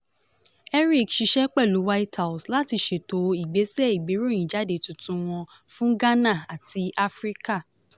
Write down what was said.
Erik ṣiṣẹ́ pẹ̀lú White House láti ṣètò ìgbésẹ̀ ìgbéròyìnjáde tuntun wọn fún Ghana àti Áfíríkà .